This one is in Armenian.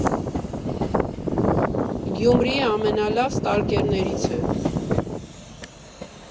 Գյումրիի ամենալավ ստալկերներից է։